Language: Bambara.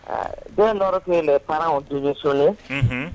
Den dɔ tun de paw tun solen